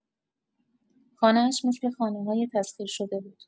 خانه‌شان مثل خانه‌های تسخیرشده بود.